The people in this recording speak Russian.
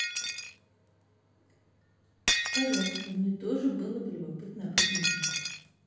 пожалуйста мне тоже было бы любопытно об этом узнать